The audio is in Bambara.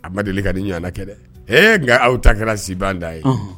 A ma deli ka ni ɲɔgɔn kɛ dɛ nka aw ta kɛra siban da ye